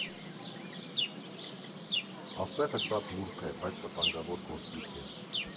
Ասեղը շատ նուրբ է, բայց վտանգավոր գործիք է։